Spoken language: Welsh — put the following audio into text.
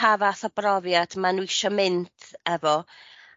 pa fath o brofiad ma' n'w isio mynd efo.